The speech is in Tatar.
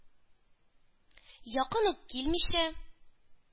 Якын ук килмичә,